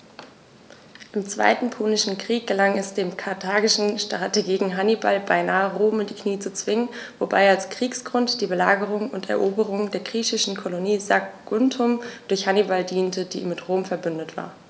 Im Zweiten Punischen Krieg gelang es dem karthagischen Strategen Hannibal beinahe, Rom in die Knie zu zwingen, wobei als Kriegsgrund die Belagerung und Eroberung der griechischen Kolonie Saguntum durch Hannibal diente, die mit Rom „verbündet“ war.